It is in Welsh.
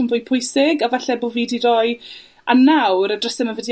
yn fwy pwysig, a falle bo' fi 'di roi... A nawr y dryse 'ma wedi